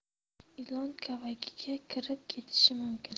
ilon kavagiga kirib ketishi mumkin